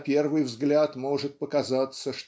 на первый взгляд может показаться